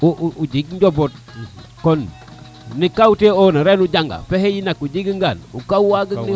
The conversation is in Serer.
o o jeg njambot kon ne kaw te ona ren o janga fexe yi nak ao jega ngan o kaw wago